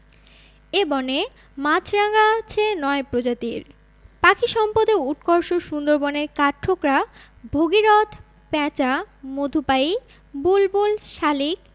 এ বনে মাছরাঙা আছে ৯ প্রজাতির পাখি সম্পদে উৎকর্ষ সুন্দরবনে কাঠঠোকরা ভগীরথ পেঁচা মধুপায়ী বুলবুল শালিক